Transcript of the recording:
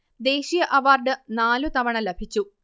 ദേശീയ അവാർഡ് നാലു തവണ ലഭിച്ചു